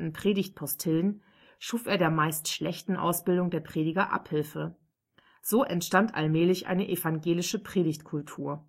Predigtpostillen), schuf er der meist schlechten Ausbildung der Prediger Abhilfe. So entstand allmählich eine evangelische Predigtkultur